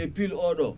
e pille oɗo